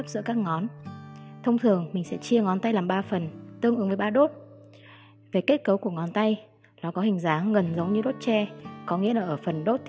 cao thấp giữa các ngón thông thường mình sẽ chia ngón tay làm phần tương ứng với đốt về kết cấu của ngón tay nó có hình dáng gần giống như đốt tre có nghĩa là ở phần đốt